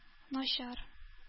Начар